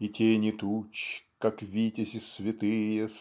И тени туч как витязи святые